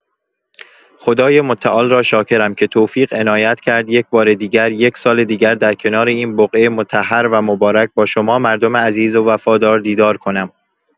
خدای متعال را شاکرم که توفیق عنایت کرد یک‌بار دیگر، یک سال دیگر در کنار این بقعه مطهر و مبارک با شما مردم عزیز و وفادار دیدار کنم.